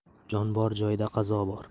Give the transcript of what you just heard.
jon bor joyda qazo bor